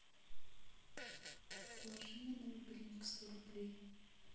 положи мне на мобильник сто рублей